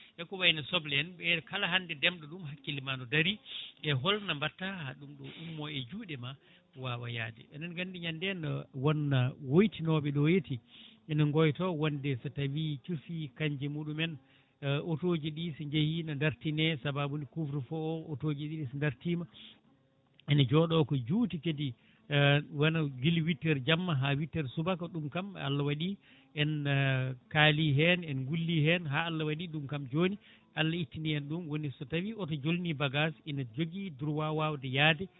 eko wayno soble en ɓe kala hande ndemɗo ɗum hakkillema ne daari e holno mbatta ha ɗumɗo ummo e juuɗema wawaq yaade eɗen gandi ñanden won woytinoɓe ɗo yeeti ene goyto wonde so tawi cuufi canjje muɗum en auto ji ɗi so jeehi ne dartine saababude couvre feu o auto ji so dartima ene jooɗo ko juuti kadi wona guila huit heure jamma ha huit heure subaka ɗum kam Allah waɗi en kaali hen en gulli hen ha Allah waɗi ɗum ɗum kam joni Allah ittani en ɗum woni so tawi auto jolni bagage ina jogui droit wawde yaade